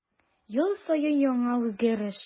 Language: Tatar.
Ел саен яңа үзгәреш.